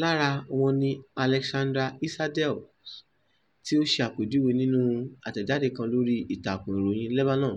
Lára wọn ni Alexandra Sandels tí ó ṣe àpèjúwe nínú àtẹ̀jáde kan lórí ìtàkùn ìròyìn Lebanon,